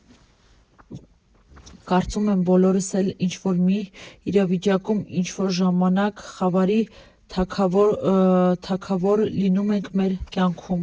Կարծում եմ, բոլորս էլ ինչ֊որ մի իրավիճակում ինչ֊որ ժամանակ խավարի թագավոր լինում ենք մեր կյանքում։